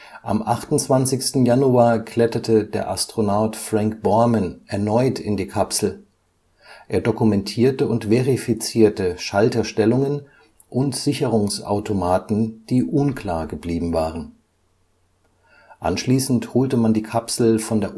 Am 28. Januar kletterte der Astronaut Frank Borman erneut in die Kapsel, er dokumentierte und verifizierte Schalterstellungen und Sicherungsautomaten, die unklar geblieben waren. Anschließend holte man die Kapsel von der